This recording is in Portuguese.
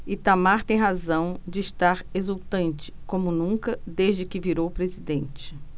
itamar tem razão de estar exultante como nunca desde que virou presidente